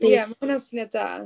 Ie ma' hwnna'n syniad da.